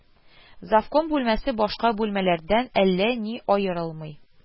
Завком бүлмәсе башка бүлмәләрдән әллә ни аерылмый